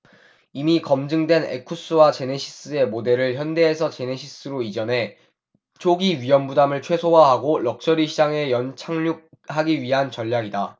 이미 검증된 에쿠스와 제네시스의 모델을 현대에서 제네시스로 이전해 초기 위험부담을 최소화하고 럭셔리 시장에 연착륙하기 위한 전략이다